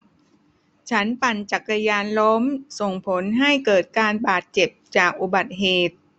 ฉันปั่นจักรยานล้มส่งผลให้เกิดการบาดเจ็บจากอุบัติเหตุ